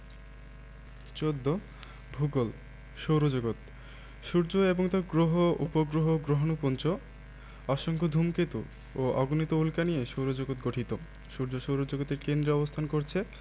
১৪ ভূগোল সৌরজগৎ সূর্য এবং তার গ্রহ উপগ্রহ গ্রহাণুপুঞ্জ অসংখ্য ধুমকেতু ও অগণিত উল্কা নিয়ে সৌরজগৎ গঠিত সূর্য সৌরজগতের কেন্দ্রে অবস্থান করছে